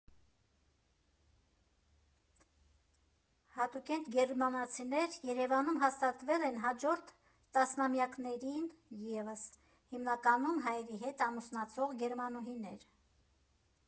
Հատուկենտ գերմանացիներ Երևանում հաստատվել են հաջորդ տասնամյակներին ևս, հիմնականում՝ հայերի հետ ամուսնացող գերմանուհիներ։